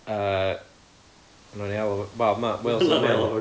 yy nawn ni alw fo... wel mae Wales Online